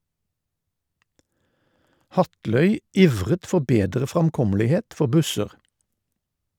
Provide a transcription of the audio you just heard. Hatløy ivret for bedre framkommelighet for busser.